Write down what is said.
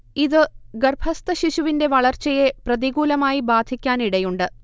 ഇതു ഗർഭസ്ഥശിശുവിന്റെ വളർച്ചയെ പ്രതികൂലമായി ബാധിക്കാനിടയുണ്ട്